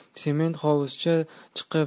sement hovuzcha chiqib